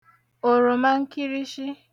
òròma nkịrịshị